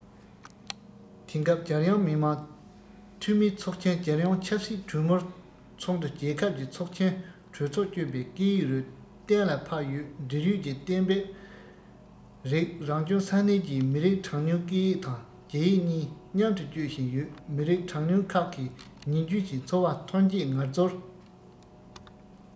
དེང སྐབས རྒྱལ ཡོངས མི དམངས འཐུས མིའི ཚོགས ཆེན རྒྱལ ཡོངས ཆབ སྲིད གྲོས མོལ ཚོགས འདུ རྒྱལ ཁབ ཀྱི ཚོགས ཆེན གྲོས ཚོགས སྤྱོད པའི སྐད ཡིག རུ གཏན ལ ཕབ ཡོད འབྲེལ ཡོད ཀྱི གཏན འབེབས རིགས རང སྐྱོང ས གནས ཀྱིས མི རིགས གྲངས ཉུང སྐད ཡིག དང རྒྱ ཡིག གཉིས མཉམ དུ སྤྱོད བཞིན ཡོད མི རིགས གྲངས ཉུང ཁག གིས ཉིན རྒྱུན གྱི འཚོ བ ཐོན སྐྱེད ངལ རྩོལ